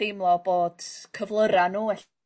deimlo bod cyflyra' nw ell-